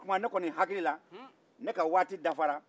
o tuma ne koni hakili la ne ka waati dafa ra